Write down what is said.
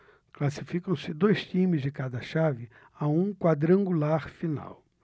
classificam-se dois times de cada chave a um quadrangular final